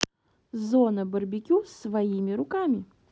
зона барбекю своими руками